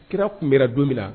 Kira kunbɛra don min na